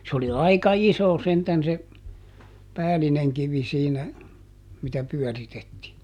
se oli aika iso sentään se päällinen kivi siinä mitä pyöritettiin